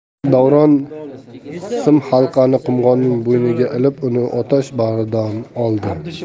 davron sim halqani qumg'onning bo'yniga ilib uni otash bag'ridan oldi